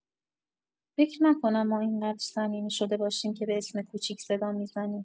فکر نکنم ما اینقدر صمیمی شده باشیم که به اسم کوچیک صدام می‌زنی!